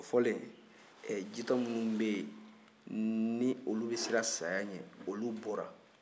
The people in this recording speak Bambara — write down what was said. o fɔlen ɛɛ jitɔ minnu bɛ yen ni olu bɛ siran saya ɲɛ olu bɔra